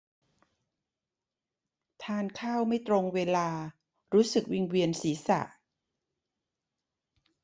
ทานข้าวไม่ตรงเวลารู้สึกวิงเวียนศีรษะ